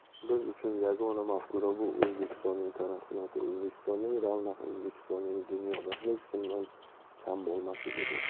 biz uchun yagona mafkura bu o'zbekistonning taraqqiyoti o'zbekistonning ravnaqi o'zbekistonning dunyoda hech kimdan kam bo'lmasligidir